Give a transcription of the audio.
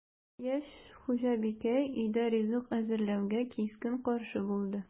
Яшь хуҗабикә өйдә ризык әзерләүгә кискен каршы булды: